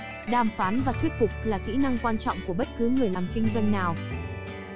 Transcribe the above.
đàm phán và thuyết phục là kỹ năng quan trọng của bất cứ người làm kinh doanh nào